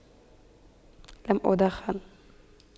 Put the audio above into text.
لم أدخن